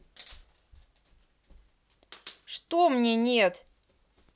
что мне нет